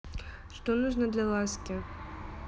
что нужно для ласки